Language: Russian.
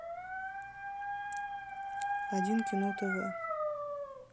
один кино тв